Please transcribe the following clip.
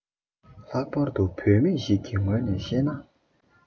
ལྷག པར དུ བུད མེད ཞིག གི ངོས ནས གཤས ན